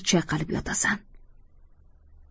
chayqalib yotasan